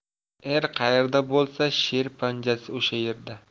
er qayerda bo'lsa sher panjasi o'sha yerda